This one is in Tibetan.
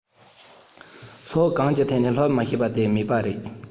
ཕྱོགས གང ཅིའི ཐད ལ སློབ མ ཤེས ཀྱི མེད པ རེད